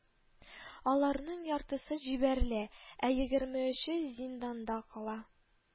Аларның яртысы җибәрелә, ә егерме өче зинданда кала